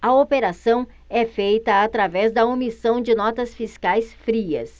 a operação é feita através da emissão de notas fiscais frias